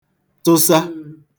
tụsa